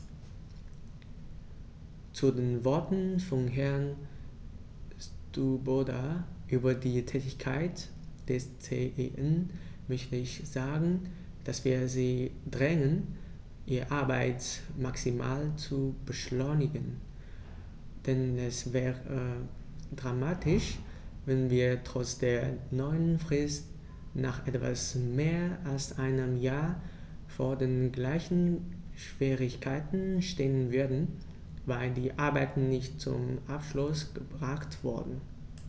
Zu den Worten von Herrn Swoboda über die Tätigkeit des CEN möchte ich sagen, dass wir sie drängen, ihre Arbeit maximal zu beschleunigen, denn es wäre dramatisch, wenn wir trotz der neuen Frist nach etwas mehr als einem Jahr vor den gleichen Schwierigkeiten stehen würden, weil die Arbeiten nicht zum Abschluss gebracht wurden.